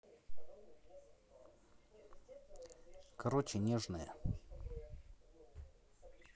короче нежные